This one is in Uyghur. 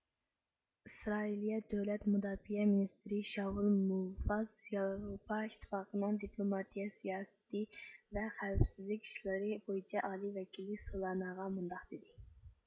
ئىسرائىلىيە دۆلەت مۇداپىئە مىنىستىرى شاۋۇل مۇفاز ياۋروپا ئىتتىپاقىنىڭ دىپلوماتىيە سىياسىتى ۋە خەۋپسىزلىك ئىشلىرى بويىچە ئالىي ۋەكىلى سولاناغا مۇنداق دېدى